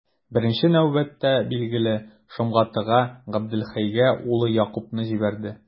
Беренче нәүбәттә, билгеле, Шомгатыга, Габделхәйгә улы Якубны җибәрде.